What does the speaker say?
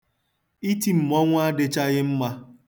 Iti mmọnwụ adịchaghị mma.